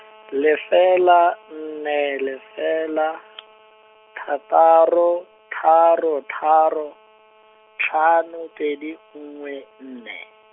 lefela nne lefela , thataro, tharo tharo, tlhano pedi nngwe nne.